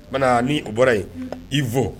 N bɛ ni o bɔra yen i fɔ